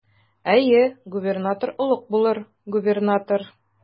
Әйе, губернатор олуг булыр, губернатор.